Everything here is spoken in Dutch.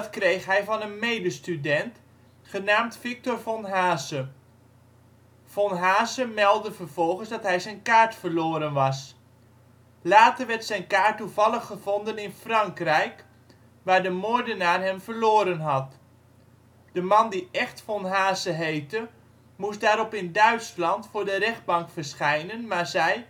kreeg hij van een medestudent, genaamd Victor von Hase. Von Hase meldde vervolgens dat hij zijn kaart verloren was. Later werd zijn kaart toevallig gevonden in Frankrijk, waar de moordenaar hem verloren had. De man die echt Von Hase heette moest daarop in Duitsland voor de rechtbank verschijnen, maar zei